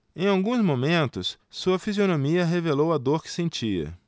em alguns momentos sua fisionomia revelou a dor que sentia